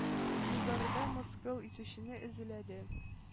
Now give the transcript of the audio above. Югарыдан мыскыл итүчене эзләде.